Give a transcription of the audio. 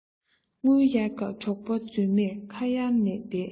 དངུལ གཡར སྐབས གྲོགས པོ རྫུན མས ཁ གཡར ནས བསྡད